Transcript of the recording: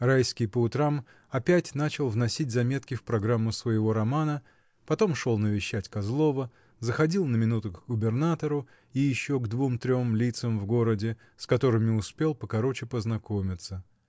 Райский по утрам опять начал вносить заметки в программу своего романа, потом шел навещать Козлова, заходил на минуту к губернатору и еще к двум-трем лицам в городе, с которыми успел покороче познакомиться.